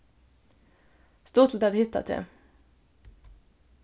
stuttligt at hitta teg